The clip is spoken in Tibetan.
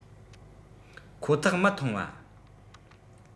ཁོ ཐག མི འཐུང བ